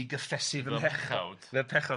i gyffesu fy pechod... 'Fy mhechawd'.